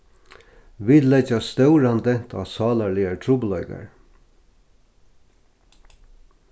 vit leggja stóran dent á sálarligar trupulleikar